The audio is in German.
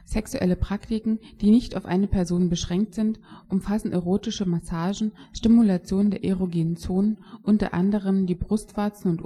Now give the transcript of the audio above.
Sexuelle Praktiken, die nicht auf eine Person beschränkt sind, umfassen erotische Massagen, die Stimulation der erogenen Zonen (u.a. die Brustwarzen